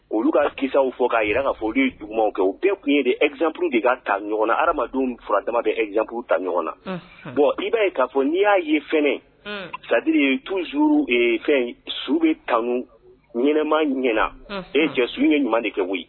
Olu ka kisaw fɔ k'a jira k'a fɔ olu jumɛnumaw kɛ o bɛɛ tun ye de ezpuru de ka taa ɲɔgɔn nadenw fura dama bɛ ezanpuru ta ɲɔgɔn na bon i b'a ye k'a fɔ n'i y'a ye f sadi ye tuzuru fɛn su bɛ tan ɲɛnama ɲɛnaana e cɛsiw ye ɲuman de kɛ wuli